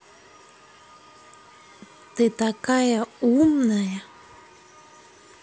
ты такая умная